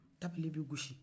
tabale bɛ gosi